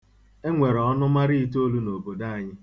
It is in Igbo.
E nwere ọnụmara itolu n'obodo anyị